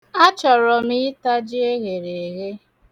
Achọrọ ịta ji e ghere eghe.